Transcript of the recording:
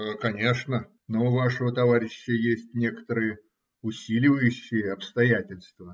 Конечно, но у вашего товарища есть некоторые усиливающие обстоятельства,